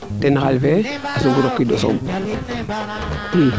ten xaal fe a soogu rokiid o sooɓ i